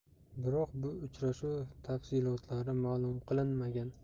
biroq bu uchrashuv tafsilotlari ma'lum qilinmagan